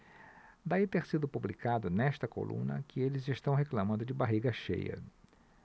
daí ter sido publicado nesta coluna que eles reclamando de barriga cheia